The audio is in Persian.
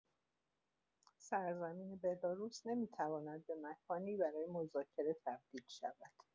سرزمین بلاروس نمی‌تواند به مکانی برای مذاکره تبدیل شود.